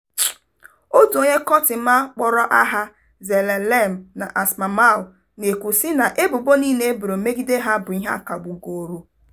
Otu onye kọtịma kpọrọ aha Zelalem na Asmamaw, na-ekwu sị na ebubo niile eboro megide ha bụ a kagbugoro.